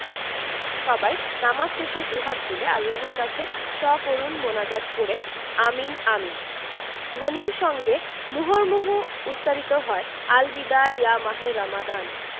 সবাই নামাজ শেষে দুহাত তুলে আল্লাহর কাছে সকরুণ মোনাজাত করে আমিন আমিন ধ্বনির সঙ্গে মুহুর্মুহু উচ্চারিত হয় আল বিদা ইয়া মাহে রমাদান